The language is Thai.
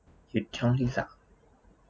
ยึดช่องที่สาม